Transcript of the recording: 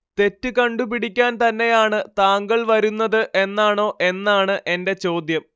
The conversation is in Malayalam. തെറ്റ് കണ്ടു പിടിക്കാൻ തന്നെയാണ് താങ്കൾ വരുന്നത് എന്നാണോ എന്നാണ് എന്റെ ചോദ്യം